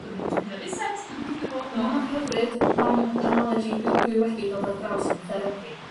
Dwn i'n os ma' hynna'n neud sense dwi gobeithio bod o ond... Na ma'n hyfryd ma'n... ...ia. ... ma'n analogy dwi dwi wedi dod ar draws yn y therapi.